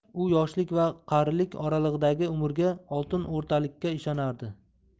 u yoshlik va qarilik oralig'idagi umrga oltin o'rtalikka ishonardi